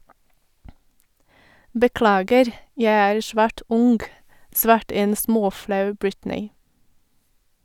- Beklager, jeg er svært ung, svarte en småflau Britney.